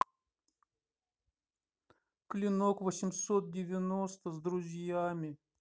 клинок восемьсот девяносто с друзьями